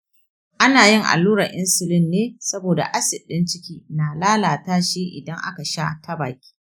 ana yin allurar insulin ne saboda acid ɗin ciki na lalata shi idan aka sha ta baki.